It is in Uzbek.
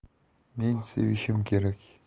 men sevishim kerak